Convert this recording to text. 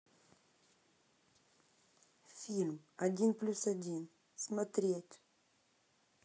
фильм один плюс один смотреть